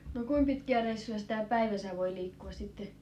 no kuinka pitkiä reissuja sitä päivässä voi liikkua sitten